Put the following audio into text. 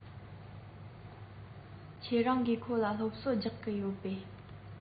ཁྱེད རང གིས ཁོ ལ སློབ གསོ རྒྱག གི ཡོད པས